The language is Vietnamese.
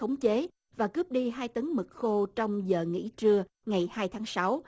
khống chế và cướp đi hai tấn mực khô trong giờ nghỉ trưa ngày hai tháng sáu